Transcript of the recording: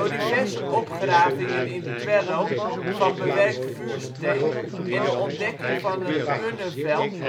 diverse opgravingen in Twello van bewerkt vuursteen en de ontdekking van een urnenveld